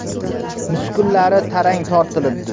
muskullari tarang tortilibdi